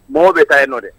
Mɔgɔ bɛ taa yen nɔ dɛ